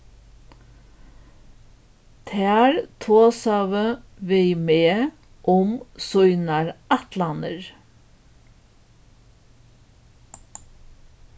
tær tosaðu við meg um sínar ætlanir